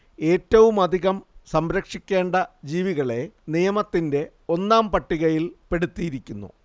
ഏറ്റവുമധികം സംരക്ഷിക്കേണ്ട ജീവികളെ നിയമത്തിന്റെ ഒന്നാം പട്ടികയിൽപ്പെടുത്തിയിരിക്കുന്നു